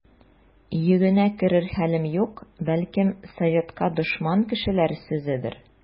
Йөгенә керер хәлем юк, бәлкем, советка дошман кешеләр сүзедер.